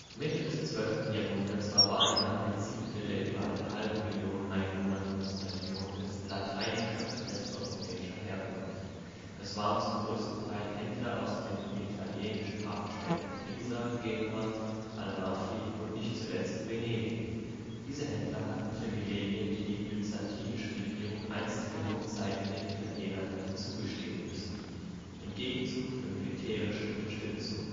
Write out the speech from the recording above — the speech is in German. Mitte des 12. Jahrhunderts war beinahe ein Siebtel der über eine halbe Millionen Einwohner Konstantinopels " lateinischer " (westeuropäischer) Herkunft. Es waren zum größten Teil Händler aus den italienischen Hafenstädten Pisa, Genua, Amalfi und nicht zuletzt Venedig. Diese Händler hatten Privilegien, die die byzantinische Regierung einst in Notzeiten den Italienern hatte zugestehen müssen, im Gegenzug für militärische Unterstützung